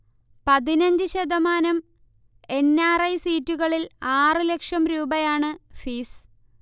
പതിനഞ്ച് ശതമാനം N. R. I. സീറ്റുകളിൽ ആറ് ലക്ഷം രൂപയാണ് ഫീസ്